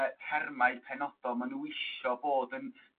y termau penodol ma' n'w isio bod yn